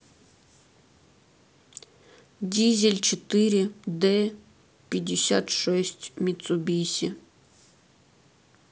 дизель четыре дэ пятьдесят шесть митсубиси